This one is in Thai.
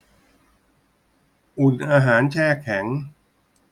อุ่นอาหารแช่แข็ง